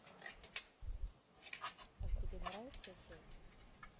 а тебе нравится джой